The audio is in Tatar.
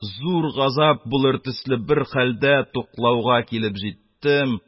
Зур газап булыр төсле бер хәлдә туклауга килеп тә җиттем